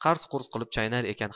qars qurs qilib chaynar ekan